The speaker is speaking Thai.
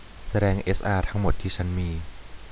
แสดงเอสอาทั้งหมดที่ฉันมี